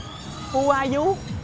hu a du